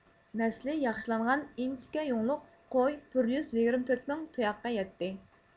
نەسلى ياخشىلانغان ئىنچىكە يۇڭلۇق قوي بىر يۈز يىگىرمە تۆت مىڭ تۇياققا يەتتى